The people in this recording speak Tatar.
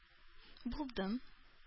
Булдым